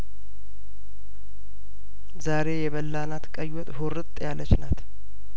ዛሬ የበላናት ቀይወጥ ሁርጥ ያለችናት